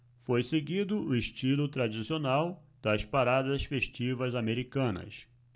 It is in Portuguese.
foi seguido o estilo tradicional das paradas festivas americanas